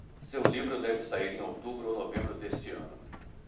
seu livro deve sair em outubro ou novembro deste ano